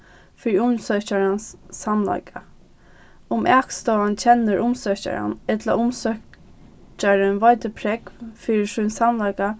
fyri umsøkjarans samleika um akstovan kennir umsøkjaran ella umsøkjarin veitir prógv fyri sín samleika